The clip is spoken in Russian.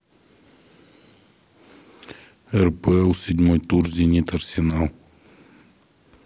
рпл седьмой тур зенит арсенал